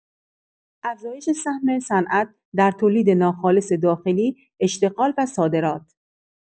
افزایش سهم صنعت در تولید ناخالص داخلی، اشتغال و صادرات